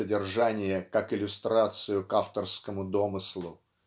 содержание как иллюстрацию к авторскому домыслу